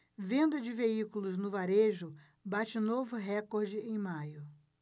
venda de veículos no varejo bate novo recorde em maio